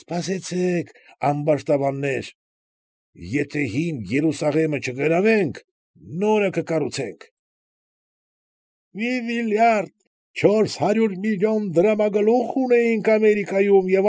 Սպասեցեք, ամբարտավաններ, եթե հին Երուսաղեմը չգրավենք, նորը կկառուցենք… ֊ Մի միլիարդ չորս հարյուր միլիոն դրամագլուխ ունեինք Ամերիկայում և։